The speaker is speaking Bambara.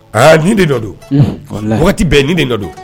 Aa nin de dɔ donti bɛn ne de dɔ don